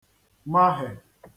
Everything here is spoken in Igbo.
mahè